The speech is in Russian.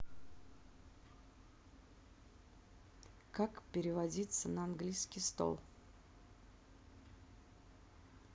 как переводится на английский стол